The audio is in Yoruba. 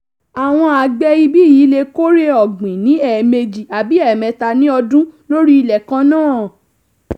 Àwọn àgbẹ̀ ibí yìí lè kórè ọ̀gbìn ní ẹ̀ẹ̀mejì àbí ẹ̀ẹ̀mẹta ní ọdún lórí ilẹ̀ kan náà.